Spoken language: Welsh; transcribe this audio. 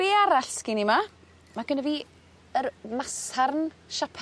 Be' arall sgin i ma'? Ma' gynno fi yr masarn Siapaneaidd yma,